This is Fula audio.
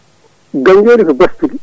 Gayjoli ko Dias suuɓi